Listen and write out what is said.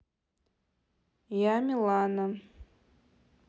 я милана